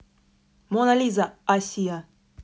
мона лиза асия